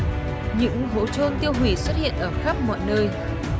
những hố chôn tiêu hủy xuất hiện ở khắp mọi nơi